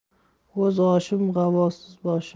oz oshim g'avg'osiz boshim